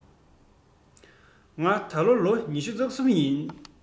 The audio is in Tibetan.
ང ད ལོ ལོ ཉི ཤུ རྩ གསུམ ཡིན